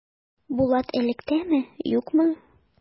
Булат эләктеме, юкмы?